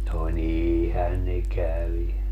no niinhän ne kävi